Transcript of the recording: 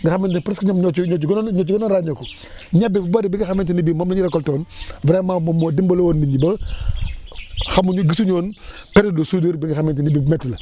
nga xamante ne presque ñoom ñoo cay ñoo ci gënoon a ñoo ci gën a ràññeeku ñebe bi bëri bi nga xamante ne bii moom la ñu récolter woon vraiment moom moo dimbale woon nit ñi ba xamuñu gisuñu woon période soudure bi nga xamante ne bii bu métti la